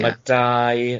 ma' dau